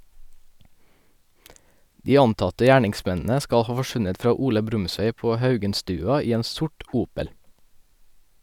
De antatte gjerningsmennene skal ha forsvunnet fra Ole Brumsvei på Haugenstua i en sort Opel.